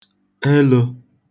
elō